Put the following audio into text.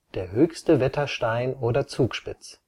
Der höchste Wetterstain oder Zugspitz